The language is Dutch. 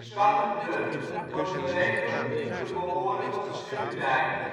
Kattenburg wordt gerekend te behoren tot Zuurdijk